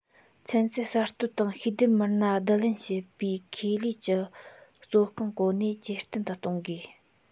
ཚན རྩལ གསར གཏོད དང ཤེས ལྡན མི སྣ བསྡུ ལེན བྱེད པའི ཁེ ལས ཀྱི གཙོ རྐང གོ གནས ཇེ བརྟན དུ གཏོང དགོས